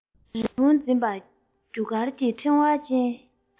རི བོང འཛིན པ རྒྱུ སྐར གྱི ཕྲེང བ ཅན